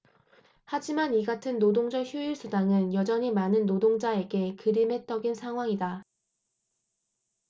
하지만 이같은 노동절 휴일수당은 여전히 많은 노동자에게 그림의 떡인 상황이다